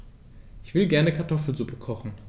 Ich will gerne Kartoffelsuppe kochen.